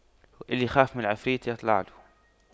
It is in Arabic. اللي يخاف من العفريت يطلع له